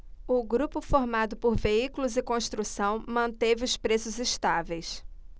o grupo formado por veículos e construção manteve os preços estáveis